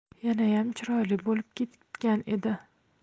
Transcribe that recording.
yanayam chiroyli bo'lib ketgan edi